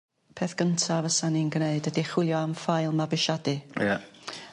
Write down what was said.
Peth gynta fysan i'n gneud ydi chwilio am ffeil mabwysiadu. Ie.